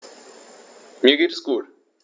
Mir geht es gut.